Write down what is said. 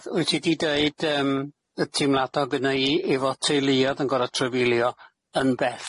Wyt ti 'di deud yym y teimlada o' gynna' i efo teuluodd yn gor'o trafeilio yn bell,